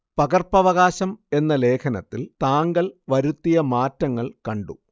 പകർപ്പവകാശം എന്ന ലേഖനത്തിൽ താങ്കൾ വരുത്തിയ മാറ്റങ്ങൾ കണ്ടു